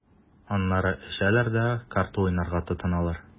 Аннары эчәләр дә карта уйнарга тотыналар.